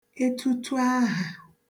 etutu ahà